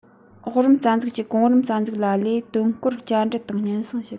འོག རིམ རྩ འཛུགས ཀྱིས གོང རིམ རྩ འཛུགས ལ ལས དོན སྐོར བཀའ འདྲི དང སྙན སེང ཞུ དགོས